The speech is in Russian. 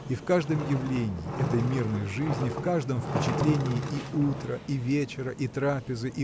И в каждом явлении этой мирной жизни в каждом впечатлении и утра и вечера и трапезы